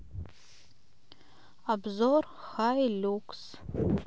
обзор хай люкс